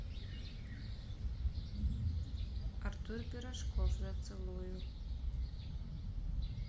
артур пирожков зацелую